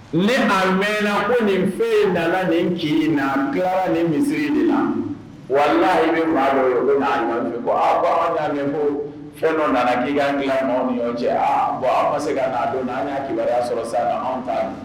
Ne a mɛn ko nin fɛn in nana ni kin na kɛra ni misisiriri de la wala i bɛ maa o bɛ n' ɲɔgɔn ko a ɲa ko fɛn dɔ nana k'i ka nɔ ɲɔgɔn cɛ aa bɔn an ma se ka'a don an y'a kibaruya sɔrɔ sa an ta